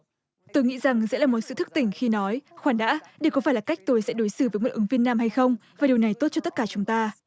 tôi nghĩ rằng sẽ là một sự thức tỉnh khi nói khoan đã đây có phải là cách tôi sẽ đối xử với những ứng viên nam hay không và điều này tốt cho tất cả chúng ta